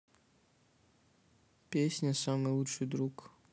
песня самый лучший друг